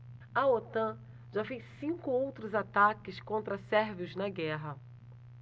a otan já fez cinco outros ataques contra sérvios na guerra